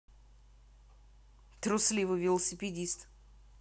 трусливый велосипедист